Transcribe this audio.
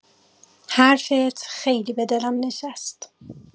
حرفت خیلی به دلم نشست.